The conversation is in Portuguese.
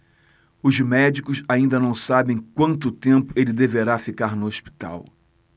os médicos ainda não sabem quanto tempo ele deverá ficar no hospital